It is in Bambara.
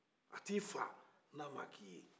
a t'i faa n'a ma k'i ye